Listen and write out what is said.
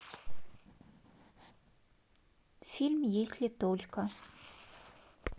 фильм если только